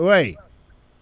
ouais